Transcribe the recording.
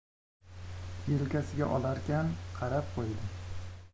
yelkasiga olarkan qarab qo'ydi